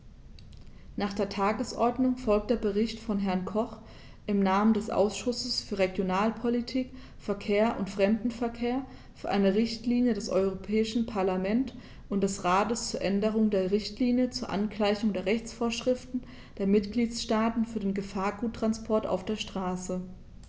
Nach der Tagesordnung folgt der Bericht von Herrn Koch im Namen des Ausschusses für Regionalpolitik, Verkehr und Fremdenverkehr für eine Richtlinie des Europäischen Parlament und des Rates zur Änderung der Richtlinie zur Angleichung der Rechtsvorschriften der Mitgliedstaaten für den Gefahrguttransport auf der Straße.